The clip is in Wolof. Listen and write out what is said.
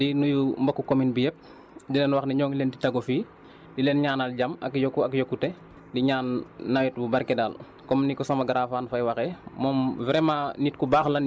waaw Aliou maa ngi lay nuyuwaat bu baax di la jaajëfal di nuyu mbokku comune bi yëpp di leen wax ne ñoo ngi leen di tàggu fii di leen ñaanal jàmm ak yokku ak yokkute di ñaan nawet wu barkeel daal